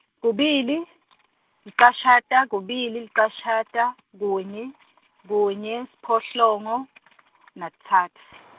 kubili , licashata, kubili, licashata, kunye, kunye, siphohlongo, nakutsatfu .